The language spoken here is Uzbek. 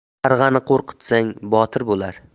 qarg'ani qo'rqitsang botir bo'lar